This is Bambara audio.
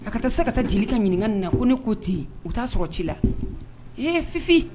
A ka tɛ se ka taa jelikɛ ɲininka na ko ne ko ten yen u taa sɔrɔ ci la ee fifin